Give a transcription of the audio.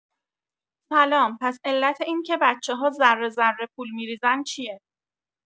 سلام پس علت اینکه بچه‌ها ذره‌ذره پول می‌ریزن چیه